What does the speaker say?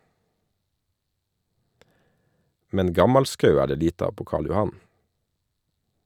- Men gammalskau er det lite av på Karl Johan?